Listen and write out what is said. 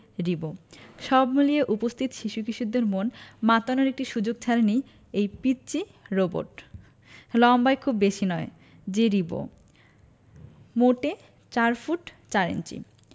রিবো সব মিলিয়ে উপস্থিত শিশু কিশোরদের মন মাতানোর একটি সুযোগ ছাড়েনি এই পিচ্চি রোবট লম্বায় খুব বেশি নয় যে রিবো মোটে ৪ ফুট ৪ ইঞ্চি